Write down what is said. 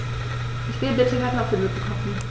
Ich will bitte Kartoffelsuppe kochen.